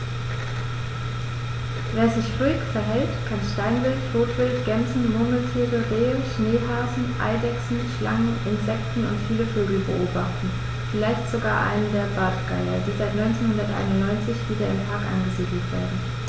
Wer sich ruhig verhält, kann Steinwild, Rotwild, Gämsen, Murmeltiere, Rehe, Schneehasen, Eidechsen, Schlangen, Insekten und viele Vögel beobachten, vielleicht sogar einen der Bartgeier, die seit 1991 wieder im Park angesiedelt werden.